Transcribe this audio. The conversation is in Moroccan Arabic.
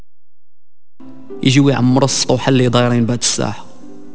جوي عمر الصفحه اللي ضايعين بعد الساحه